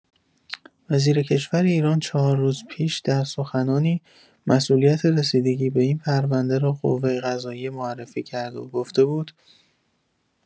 وزیر کشور ایران چهار روز پیش در سخنانی مسئولیت رسیدگی به این پرونده را قوه‌قضائیه معرفی کرده و گفته بود..